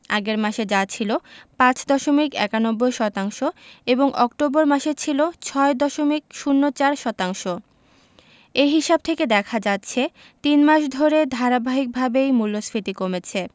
আগের মাসে যা ছিল ৫ দশমিক ৯১ শতাংশ এবং অক্টোবর মাসে ছিল ৬ দশমিক ০৪ শতাংশ এ হিসাব থেকে দেখা যাচ্ছে তিন মাস ধরে ধারাবাহিকভাবেই মূল্যস্ফীতি কমেছে